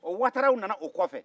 o wataraw nana o kɔfɛ